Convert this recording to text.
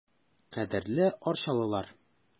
Кадерле арчалылар!